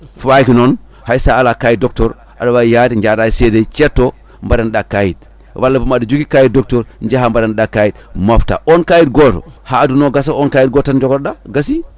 fawaki noon haysa ala kayit docteur aɗa wawi yaade jaada e seedeji cetto mbaɗaneɗa kayit walla boom aɗa jogui kayit docteur jaaha mbaɗaneɗa kayit mofta on kayit goto ha aduna o gasa ko on kayit goto tan jogotoɗa